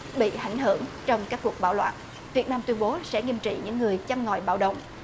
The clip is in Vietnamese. bị ảnh hưởng trong các cuộc bạo loạn việt nam tuyên bố sẽ nghiêm trị những người châm ngòi bạo động